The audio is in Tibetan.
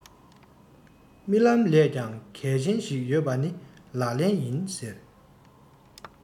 རྨི ལམ ལས ཀྱང གལ ཆེན ཞིག ཡོད པ ནི ལག ལེན ཡིན ཟེར